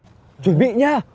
chuyển bị nhá